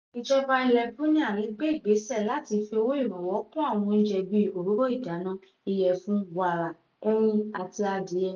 Ìjọba ìlú Brunei lè gbé ìgbésẹ̀ láti fi owó ìrànwọ́ kún àwọn oúnjẹ bíi òróró ìdáná, ìyẹ̀fun, wàrà, ẹyin àti adìẹ.